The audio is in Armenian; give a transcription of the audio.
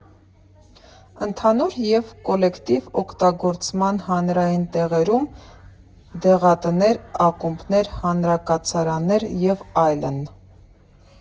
Ընդհանուր և կոլեկտիվ օգտագործման հանրային տեղերում (դեղատներ, ակումբներ, հանրակացարաններ և այլն).